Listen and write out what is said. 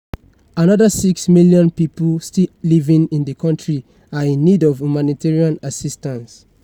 Another six million people still living in the country are in need of humanitarian assistance.